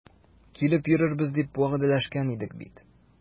Килеп йөрербез дип вәгъдәләшкән идек бит.